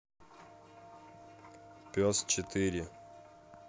пес четыре